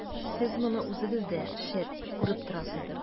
Сез моны үзегез дә, шәт, күреп торасыздыр.